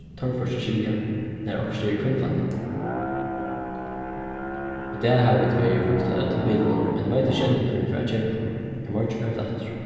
torført at skilja nær okkurt er í hvønnfalli í dag hava vit verið og hugt at øllum bilunum men eg veit ikki enn hvønn vit fara at keypa í morgin fara vit aftur